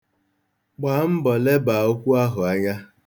Gbaa mbọ lebaa okwu ahụ anya.